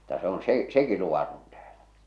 mutta se on se sekin luvaton täällä